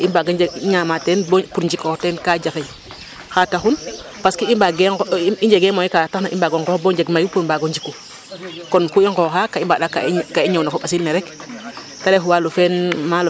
Parce que i mbaagee, i njegee moyen ka taxna i mbaag o nqoox bo bo njeg mayu to mbaag o njiku kon ku i nqooxaa ka i mbaaɗaa ka i ñoowna fo ɓasil ne rek ta ref walum fe maalo fe